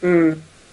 Hmm.